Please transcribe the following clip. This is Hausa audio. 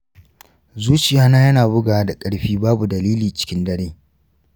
zuciyana yana bugawa da ƙarfi babu dalili cikin dare.